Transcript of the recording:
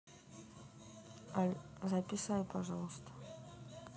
записай пожалуйста